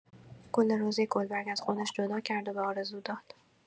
گل رز یه گلبرگ از خودش جدا کرد و به آرزو داد.